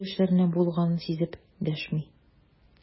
Алинә күз яшьләренә буылганын сизеп дәшми.